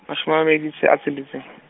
mashome a mabedi tse a tsheletseng.